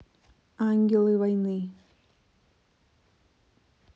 ангелы войны